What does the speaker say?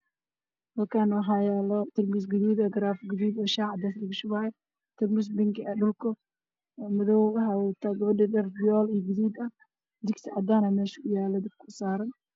Waxaa yaalo garaafollowga oo ay ku jiraan caanish ah waxaana lagu sugayaa tarmuus guduud ah